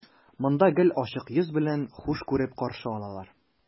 Монда гел ачык йөз белән, хуш күреп каршы алалар.